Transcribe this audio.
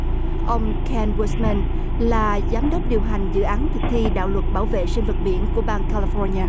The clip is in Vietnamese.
ông ken pua mân là giám đốc điều hành dự án thực thi đạo luật bảo vệ sinh vật biển của bang ca li pho nhi a